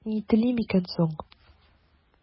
Ни телим икән соң?